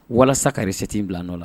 Walasa kare se' in bila nɔ la